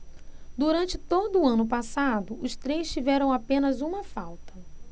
durante todo o ano passado os três tiveram apenas uma falta